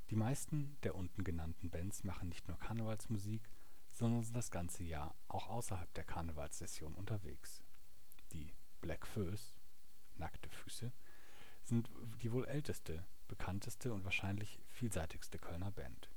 meisten der unten genannten Bands machen nicht nur Karnevalsmusik, sondern sind das ganze Jahr außerhalb der Karnevalssession unterwegs. Die Bläck Fööss (Nackte Füße) sind die älteste, wohl bekannteste und wahrscheinlich vielseitigste Kölner Band